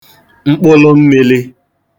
mkpụlụmmīlī